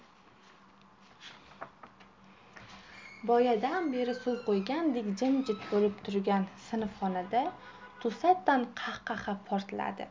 boyadan beri suv quygandek jim jit bo'lib turgan sinfxonada to'satdan qah qaha portladi